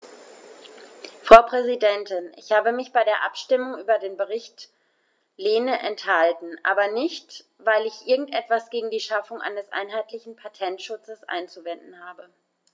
Frau Präsidentin, ich habe mich bei der Abstimmung über den Bericht Lehne enthalten, aber nicht, weil ich irgend etwas gegen die Schaffung eines einheitlichen Patentschutzes einzuwenden habe.